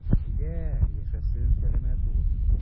Әйдә, яшәсен сәламәт булып.